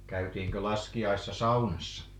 käytiinkö laskiaisena saunassa